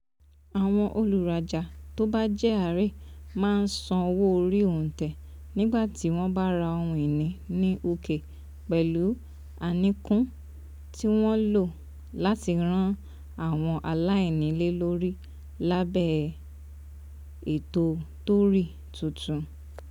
Àwọn olùrajà tó bá jẹ́ àrè máa san owó orí òǹtẹ̀ nígbàtí wọ́n bá ra ohun iní ní UK pẹ̀lú àníkún tí wọ́n lò láti ran àwọn aláìnílélórí lábẹ̀ ètò Tory tuntun